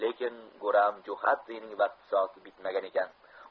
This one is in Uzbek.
lekin guram jo'xadzening vaqti soati bitmagan ekan